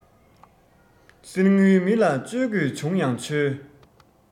གསེར དངུལ མི ལ བཅོལ དགོས བྱུང ཡང ཆོལ